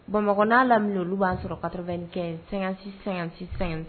Bamakɔ n'a lam olu b'a sɔrɔto kɛ sɛgɛn- s-sɛ